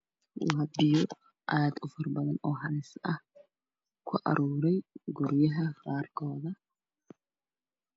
Waa biyo aada u fara badan oo halis ah ku aruuray guryaha qaarkood ah